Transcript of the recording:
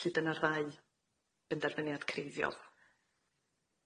Felly dyna'r ddau benderfyniad creiddiol.